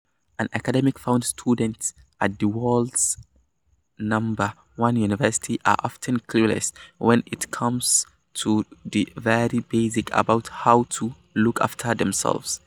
An academic found students at the world's number one university are often clueless when it comes to the very basics about how to look after themselves.